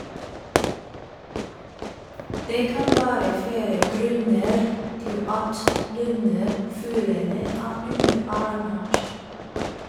- Det kan være flere grunner til at lundefuglene er underernært.